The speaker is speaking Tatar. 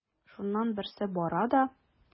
Шуннан берсе бара да:.